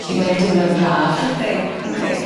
'Lly mae'n dimlad braf. Yndi yndi.